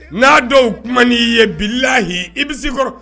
N'a dɔw kuma ni'i ye bilalahi i bɛ se kɔrɔ